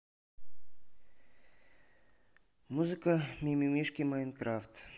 музыка мимимишки майнкрафт